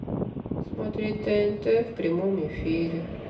смотреть тнт в прямом эфире